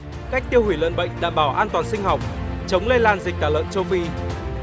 cách tiêu hủy lợn bệnh đảm bảo an toàn sinh học chống lây lan dịch tả lợn châu phi